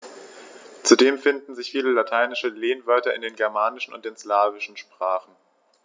Zudem finden sich viele lateinische Lehnwörter in den germanischen und den slawischen Sprachen.